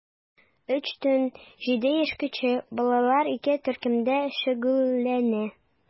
3 тән 7 яшькәчә балалар ике төркемдә шөгыльләнә.